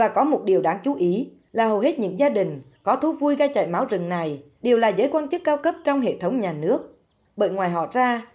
và có một điều đáng chú ý là hầu hết những gia đình có thú vui gây chảy máu rừng này đều là giới quan chức cao cấp trong hệ thống nhà nước bởi ngoài họ ra